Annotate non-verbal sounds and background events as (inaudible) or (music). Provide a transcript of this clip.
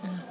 (hesitation) (hesitation)